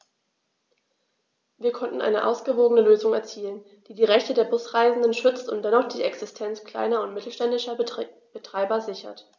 Wir konnten eine ausgewogene Lösung erzielen, die die Rechte der Busreisenden schützt und dennoch die Existenz kleiner und mittelständischer Betreiber sichert.